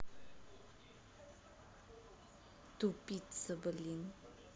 тупица блин